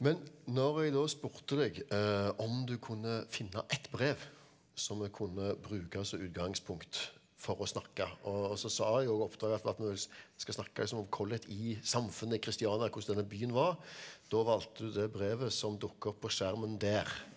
men når jeg da spurte deg om du kunne finne ett brev som vi kunne bruke som utgangspunkt for å snakke og og så sa jeg jo i oppdraget at vi vil skal snakke liksom om Collett i samfunnet i Christiania hvordan denne byen var, da valgte du det brevet som dukka opp på skjermen der.